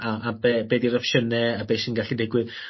a a be' be' 'di'r opsiyne a be' sy'n gallu digwydd